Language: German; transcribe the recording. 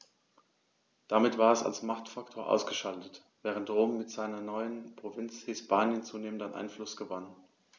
Damit war es als Machtfaktor ausgeschaltet, während Rom mit seiner neuen Provinz Hispanien zunehmend an Einfluss gewann.